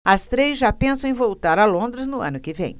as três já pensam em voltar a londres no ano que vem